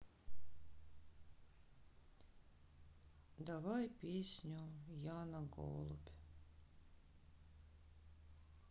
давай песню яна голубь